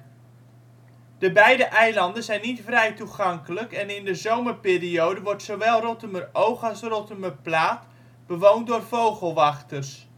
De beide eilanden zijn niet vrij toegankelijk en in de zomerperiode wordt zowel Rottumeroog als Rottumerplaat bewoond door vogelwachters